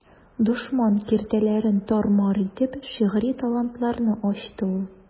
Дошман киртәләрен тар-мар итеп, шигъри талантларны ачты ул.